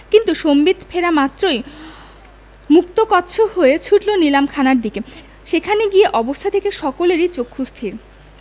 কিন্তু সম্বিত ফেরা মাত্রই মুক্তকচ্ছ হয়ে ছুটল নিলাম খানার দিকে সেখানে গিয়ে অবস্থা দেখে সকলেরই চক্ষুস্থির